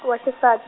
ku wa xisat-.